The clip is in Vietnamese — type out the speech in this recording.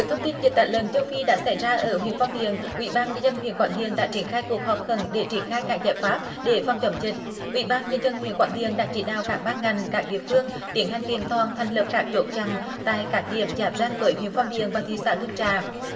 thông tin dịch tả lợn châu phi đã xảy ra ở huyện phong điền ủy ban nhân dân huyện quảng điền đã triển khai cuộc họp khẩn để triển khai các giải pháp để phòng chống dịch ủy ban nhân dân huyện quảng điền đã chỉ đạo các ban ngành các địa phương tiến hành kiện toàn thành lập các chốt chặn tại các điểm giáp ranh với huyện phong điền và thị xã hương trà